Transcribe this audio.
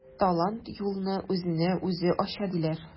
Талант юлны үзенә үзе ача диләр.